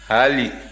haali